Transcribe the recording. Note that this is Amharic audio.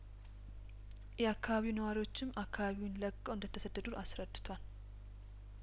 የአካባቢው ነዋሪዎችም አካባቢውን ለቀው እንደተሰደዱ አስረድቷል